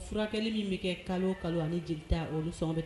Furakɛli min bɛ kɛ kalo kalo ani jeli ta osɔn bɛ kɛ